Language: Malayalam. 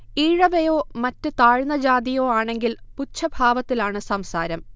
ഈഴവയോ മറ്റ് താഴ്ന്ന ജാതിയോ ആണെങ്കിൽ പുച്ഛഭാവത്തിലാണ് സംസാരം